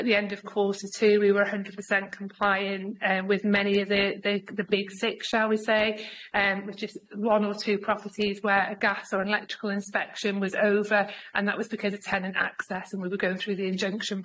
at the end of course the two we were hundred percent compliant and with many of the the the big six shall we say and with just one or two properties where a gas or an electrical inspection was over and that was because of tenant access and we were going through the injunction